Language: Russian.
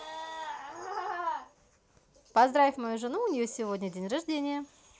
поздравь мою жену у нее сегодня день рождения